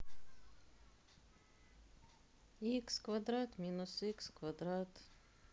икс квадрат минус икс квадрат